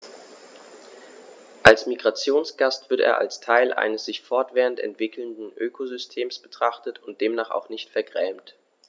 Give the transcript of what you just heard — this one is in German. Als Migrationsgast wird er als Teil eines sich fortwährend entwickelnden Ökosystems betrachtet und demnach auch nicht vergrämt.